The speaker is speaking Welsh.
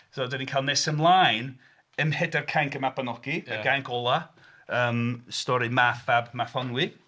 So, dan ni'n cael nes ymlaen ym Mhedair Cainc y Mabinogi, y gainc ola' yym stori Math fab Mathonwy.